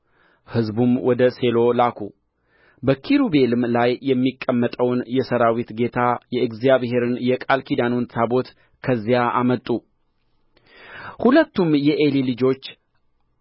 ሕዝቡም ወደ ሴሎ ላኩ በኪሩቤልም ላይ የሚቀመጠውን የሠራዊት ጌታ የእግዚአብሔርን የቃል ኪዳኑን ታቦት ከዚያ አመጡ ሁለቱም የዔሊ ልጆች